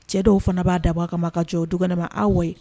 Cɛ dɔw fana b'a dabɔ kama ma ka jɔ duɛ ma aw wa